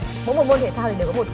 mỗi một môn thể thao thì đều có một